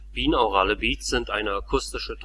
Binaurale Beats sind eine akustische